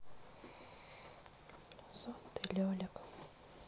зонт и лелик